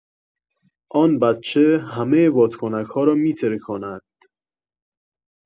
آن بچه همه بادکنک‌ها را می‌ترکاند